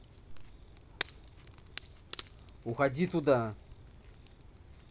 уходи туда